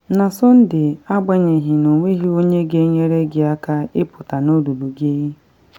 Na Sọnde, agbanyeghị n’onweghị onye ga-enyere gị aka ịpụta n’olulu gị.